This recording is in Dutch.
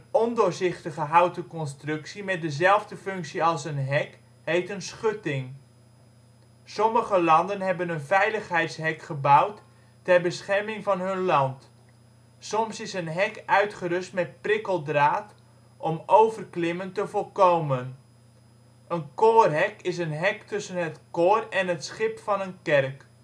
ondoorzichtige houten constructie met dezelfde functie als een hek heet een schutting. Sommige landen hebben een veiligheidshek gebouwd ter bescherming van hun land. Soms is een hek uitgerust met prikkeldraad om overklimmen te voorkomen. Een koorhek is een hek tussen het koor en het schip van een kerk